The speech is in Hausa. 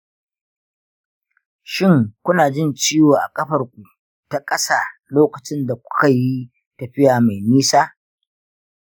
shin, kuna jin ciwo a ƙafar ku ta ƙasa lokacin da kuka yi tafiya mai nisa?